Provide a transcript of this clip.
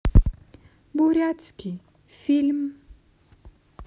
бурятский фильм